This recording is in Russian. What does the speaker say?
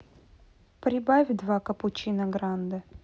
прибавь два капучино гранде